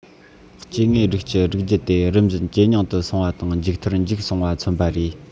སྐྱེ དངོས རིགས ཀྱི རིགས རྒྱུད དེ རིམ བཞིན ཇེ ཉུང དུ སོང བ དང མཇུག མཐར འཇིག སོང བ མཚོན པ རེད